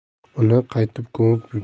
uni qaytib ko'mib